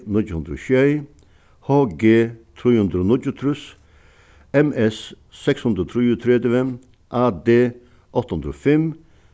níggju hundrað og sjey h g trý hundrað og níggjuogtrýss m s seks hundrað og trýogtretivu a d átta hundrað og fimm